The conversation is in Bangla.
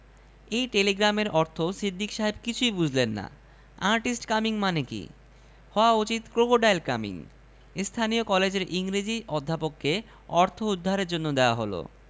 এবং তিন প্যাকেট স্টার সিগারেট খেয়ে বিশাল এক কুমীর এঁকে ফেলল সিদ্দিক সাহেব হতভম্ব হয়ে বললেন লাল রঙের কুমীর